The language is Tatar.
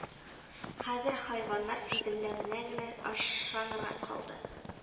Хәзер хайваннар сиземләвенә генә ышанырга калды